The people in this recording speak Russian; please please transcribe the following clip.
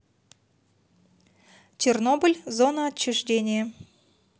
чернобыль зона отчуждения